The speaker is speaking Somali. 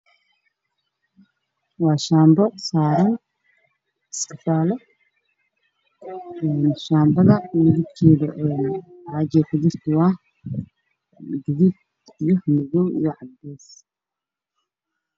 Waa shaambo saaran iskifaalo midabkeedu caaga ay kujirto waa gaduud, cadeys iyo madow.